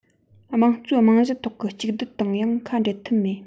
དམངས གཙོའི རྨང གཞིའི ཐོག གི གཅིག སྡུད དང ཡང ཁ འབྲལ ཐབས མེད